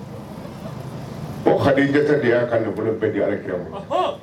Halija de y'a ka nafolo bɛɛ di ale kɛ ma